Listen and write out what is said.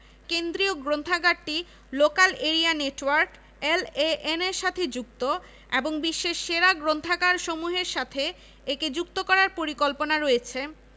বিজ্ঞান ক্লাব ভ্রমণকারীদের club rover scout club BNCC প্রভৃতি